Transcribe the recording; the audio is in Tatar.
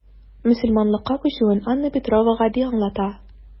Мөселманлыкка күчүен Анна Петрова гади аңлата.